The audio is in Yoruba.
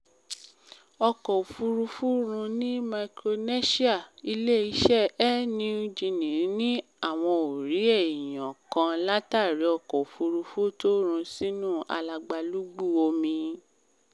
Ọkọ̀-òfúrufú run ní Micronesia: Ilé-iṣẹ́ Air Niugini ní àwọn ò rí èèyàn kan látàrí ọkọ̀-òfúrufú tó run sínu lagbalúgbú omi